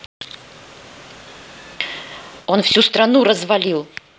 он всю страну развалил